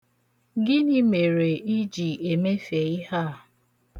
Gịnị mere ị ji emefe ihe a?